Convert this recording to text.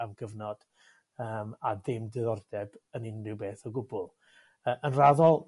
am gyfnod yym a dim diddordeb yn unrhyw beth o gwbwl yy yn raddol